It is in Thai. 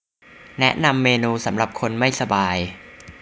แนะนำเมนูสำหรับคนไม่สบาย